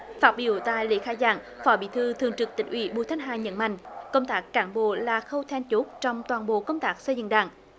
phát biểu tại lễ khai giảng phó bí thư thường trực tỉnh ủy bùi thanh hà nhấn mạnh công tác cán bộ là khâu then chốt trong toàn bộ công tác xây dựng đảng